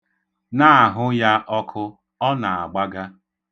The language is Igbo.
Na-ahụ ya ọkụ, ọ na-agbaga.